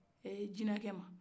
eee jinɛkɛ ma